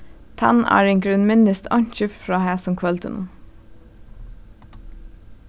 tannáringurin minnist einki frá hasum kvøldinum